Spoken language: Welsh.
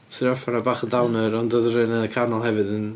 Wnaethon ni orffan ar bach o downer ond oedd yr y un yn canol hefyd yn...